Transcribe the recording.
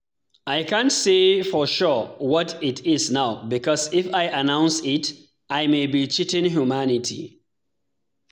I can't say for sure what it is now because if I announce it, I may be cheating humanity.